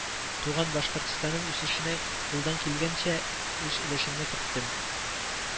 Туган Башкортстаным үсешенә кулдан килгәнчә үз өле шемне керттем